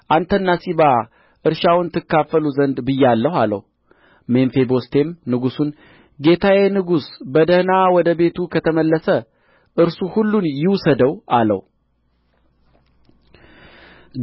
አንተና ሲባ እርሻውን ትካፈሉ ዘንድ ብያለሁ አለው ሜምፊቦስቴም ንጉሡን ጌታዬ ንጉሡ በደኅና ወደ ቤቱ ከተመለሰ እርሱ ሁሉን ይውሰደው አለው